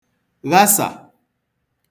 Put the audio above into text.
ghasà